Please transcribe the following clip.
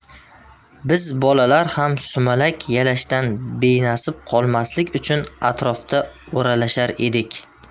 biz bolalar ham sumalak yalashdan benasib qolmaslik uchun atrofda o'ralashar edik